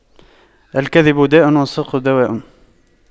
الكذب داء والصدق دواء